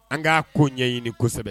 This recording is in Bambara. An k'a ko ɲɛɲini kosɛbɛ